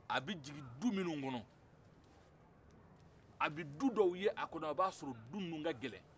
a bɛ jigin du minnu kɔnɔ a bɛ du dɔw y'a kɔnɔ a b'a sɔrɔ o du ninun ka gɛlɛn